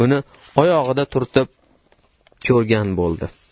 uni oyog'ida turtib ko'rgan bo'ldi